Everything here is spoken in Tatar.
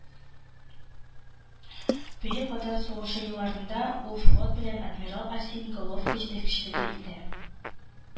Бөек Ватан сугышы елларында ул флот белән адмирал Арсений Головко җитәкчелек итә